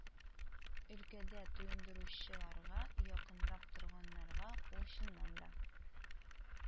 Өлкәдә туендыручы ларга якынрак торганнарга ул чыннан да